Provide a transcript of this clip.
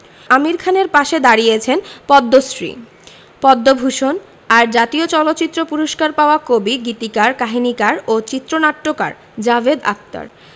আমির খানের পাশে দাঁড়িয়েছেন পদ্মশ্রী পদ্মভূষণ আর জাতীয় চলচ্চিত্র পুরস্কার পাওয়া কবি গীতিকার কাহিনিকার ও চিত্রনাট্যকার জাভেদ আখতার